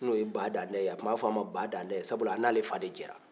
n'o ye ba danɛ ye a tun b'a f'a ma ba danɛ sabula a n'ale fa de jɛra